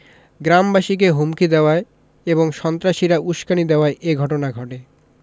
গ্রামবাসীকে হুমকি দেওয়ায় এবং সন্ত্রাসীরা উসকানি দেওয়ায় এ ঘটনা ঘটে